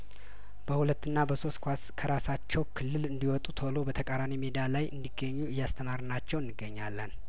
በሁለትና በሶስት ኳስ ከራሳቸው ክልል እንዲወጡ ቶሎ በተቃራኒ ሜዳ ላይ እንዲገኙ እያስ ተማር ናቸው እንገኛለን